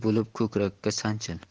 gul bo'lib ko'krakka sanchil